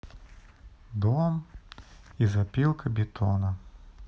дом из опилкобетона